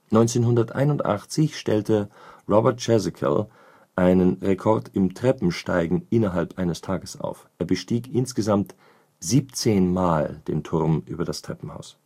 1981 stellte Robert Jezequel einen Rekord im Treppensteigen innerhalb eines Tages auf. Er bestieg insgesamt 17 mal den Turm über das Treppenhaus